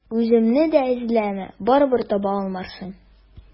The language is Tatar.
Үземне дә эзләмә, барыбер таба алмассың.